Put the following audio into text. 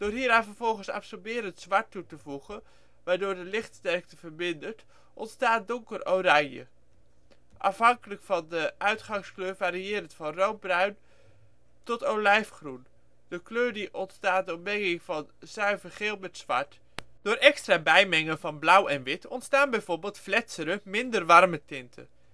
hieraan vervolgens absorberend zwart toe te voegen waardoor de lichtsterkte vermindert, ontstaat ' donker-oranje ', afhankelijk van de uitgangskleur variërend van roodbruin tot olijfgroen (de kleur die ontstaat door menging van zuiver geel met zwart), zie onderstaande kleurenstaal. Kleurenstaal van enkele bruinen - de bovenste balk omvat een drietal mengkleuren tussen rood en geel. Door het bijmengen van zwart ontstaan de vier bruintinten in de onderste balk. Zuiver geel levert olijfgroen op. In dit voorbeeld is de intensiteit gehalveerd. Door extra bijmengen van blauw en wit ontstaan bijvoorbeeld fletsere, minder warme tinten